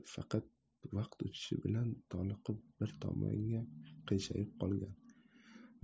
faqat vaqt o'tishi bilan toliqib bir tomonga qiyshayib qolgan